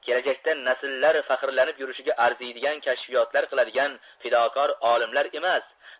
bular kelajakda nasllar faxrlanib yurishiga arziydigan kashfiyotlar qiladigan fidokor olimlar emas